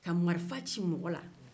ka marifa mɔgɔ la